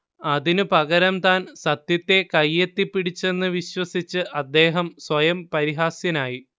അതിന് പകരം താൻ സത്യത്തെ കയ്യെത്തിപ്പിടിച്ചെന്ന് വിശ്വസിച്ച് അദ്ദേഹം സ്വയം പരിഹാസ്യനായി